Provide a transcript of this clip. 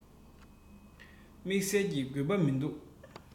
དམེགས བསལ གྱི དགོས པ མིན འདུག